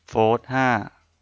โฟธห้า